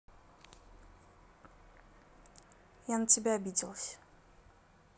я на тебя обиделась